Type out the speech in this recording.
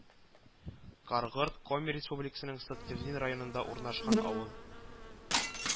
Каргорт Коми Республикасының Сыктывдин районында урнашкан авыл